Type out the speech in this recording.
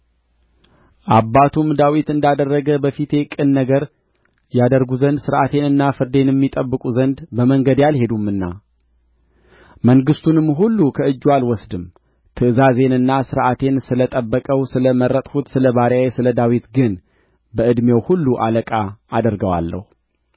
አባቱም ዳዊት እንዳደረገ በፊቴ ቅን ነገር ያደርጉ ዘንድ ሥርዓቴንና ፍርዴንም ይጠብቁ ዘንድ በመንገዴ አልሄዱምና መንግሥቱንም ሁሉ ከእጁ አልወስድም ትእዛዜንና ሥርዓቴን ስለ ጠበቀው ስለ መረጥሁት ስለ ባሪያዬ ስለ ዳዊት ግን በዕድሜው ሁሉ አለቃ አደርገዋለሁ